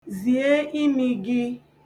Zie imi gị.